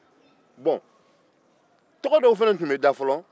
tɔgɔ dɔw fana tun bɛ da fɔlɔ